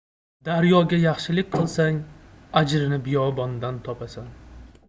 daryoga yaxshilik qilsang ajrini biyobondan topasan